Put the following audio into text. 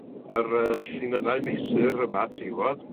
yr yy llinynnau mesur yma ti wbod